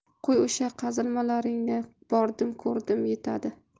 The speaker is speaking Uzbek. qo'y o'sha qazilmalaringni bordim ko'rdim yetadi